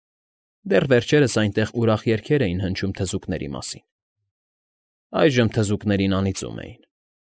Դեռ վերջերս այնտեղ ուրախ երգեր էին հնչում թզուկների մասին, այժմ թզուկներին անիծում էին։